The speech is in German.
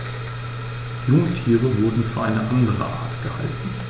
Jungtiere wurden für eine andere Art gehalten.